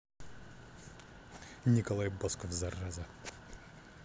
николай басков зараза